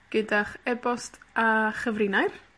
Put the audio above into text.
Gyda'ch e-bost a chyfrinair.